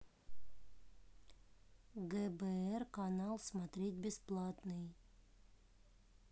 гбр канал смотреть бесплатный